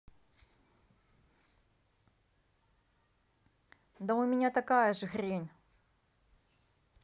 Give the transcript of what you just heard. да у меня такая же хрень